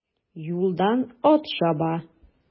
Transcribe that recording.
Юлдан ат чаба.